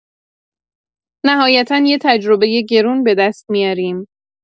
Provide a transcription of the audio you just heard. نهایتا یه تجربۀ گرون به دست میاریم.